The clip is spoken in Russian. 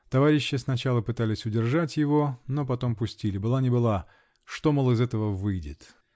Товарищи сначала пытались удержать его, но потом пустили: была не была -- что, мол, из этого выйдет?